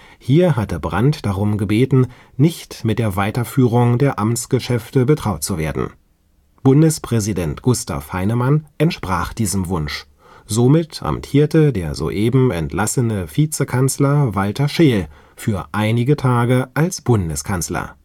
Hier hatte Brandt darum gebeten, nicht mit der Weiterführung der Amtsgeschäfte betraut zu werden. Bundespräsident Gustav Heinemann entsprach diesem Wunsch; somit amtierte der soeben entlassene Vizekanzler Walter Scheel für einige Tage als Bundeskanzler